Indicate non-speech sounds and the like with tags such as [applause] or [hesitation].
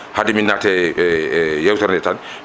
hade mi naate e [hesitation] e yewtere tan